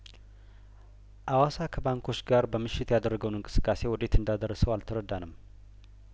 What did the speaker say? አዋሳ ከባንኮች ጋር በምሽት ያደረገውን እንቅስቅሴ ወዴት እንዳደረሰው አልተረዳንም